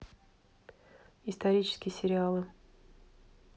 исторические сериалы